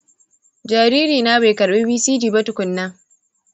jaririna bai karbi bcg ba tukunna.